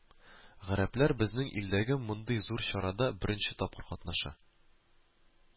Гарәпләр безнең илдәге мондый зур чарада беренче тапкыр катнаша